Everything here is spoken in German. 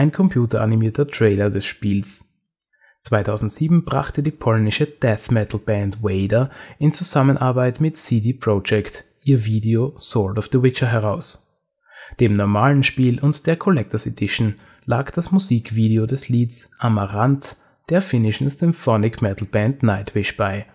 computeranimierter Trailer des Spiels. 2007 brachte die polnische Death-Metal-Band Vader in Zusammenarbeit mit CD Projekt ihr Video Sword of the Witcher heraus. Dem normalen Spiel und der Collector’ s Edition lag das Musikvideo des Liedes Amaranth der finnischen Symphonic-Metal-Band Nightwish bei